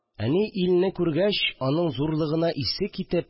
Әни, илне күргәч, аның зурлыгына исе китеп